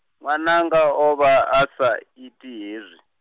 nwananga o vha a sa iti hezwi.